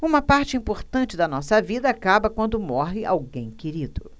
uma parte importante da nossa vida acaba quando morre alguém querido